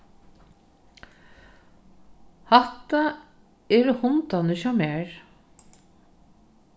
hatta eru hundarnir hjá mær